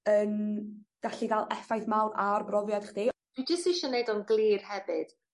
yn gallu ga'l effaith mawr ar brofiad chdi. Dwi jyst isio neud o'n glir hefyd